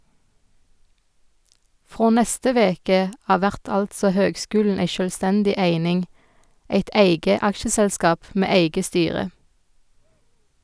Frå neste veke av vert altså høgskulen ei sjølvstendig eining, eit eige aksjeselskap med eige styre.